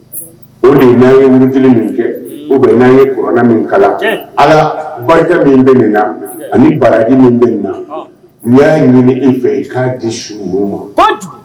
O de ye n'an ye wurudili min kɛ, walima n'an ye kuranɛ min kalan, Ala barika min bɛ nin na ani baraji min bɛ nin na n y'a ɲini i fɛ i k'a di su mɔɔw ma